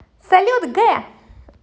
салют г